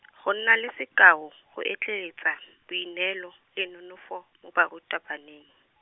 go nna le sekao, go etleetsa, boineelo, le nonofo, mo barutabaneng.